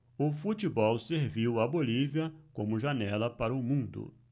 o futebol serviu à bolívia como janela para o mundo